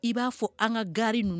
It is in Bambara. I b'a fɔ an ka gariri ninnu